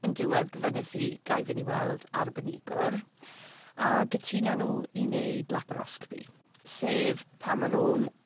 Yn diwedd gofynes i gai fyn' i weld arbenigwr a gytunon nw i neud laperoscopi sef pan ma' nw'n